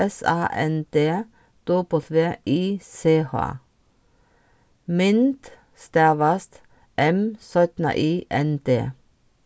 s a n d w i c h mynd stavast m y n d